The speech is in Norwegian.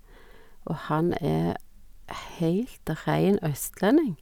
Og han er heilt rein østlending.